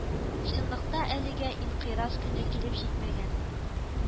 Чынлыкта әлегә инкыйраз көне килеп җитмәгән